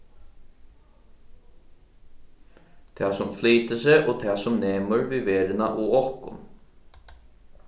tað sum flytur seg og tað sum nemur við verðina og okkum